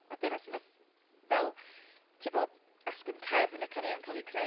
A dyna sut wnaeth, fel, tibod, asgwrn cefn y caneuon cael eu creu.